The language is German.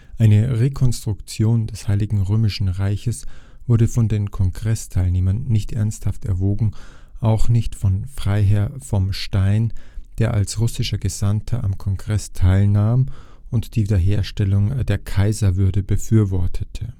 Eine Rekonstruktion des Heiligen Römischen Reiches wurde von den Kongressteilnehmern nicht ernsthaft erwogen, auch nicht von Freiherr vom Stein, der als russischer Gesandter am Kongress teilnahm und die Wiederherstellung der Kaiserwürde befürwortete